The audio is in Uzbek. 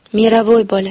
meravoy bola